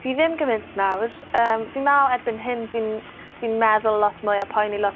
Fi ddim gymynt nawr, yym, fi'n me'wl erbyn hyn, fi'n, fi'n meddwl lot mwy a poeni lot